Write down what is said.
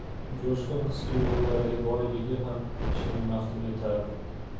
jo'shqin his tuyg'ularga boyligi ham kishini maftun etardi